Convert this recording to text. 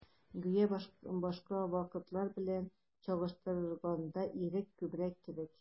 Гүя башка вакытлар белән чагыштырганда, ирек күбрәк кебек.